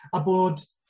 A bod